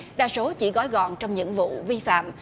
đa số chỉ gói gọn trong những vụ vi phạm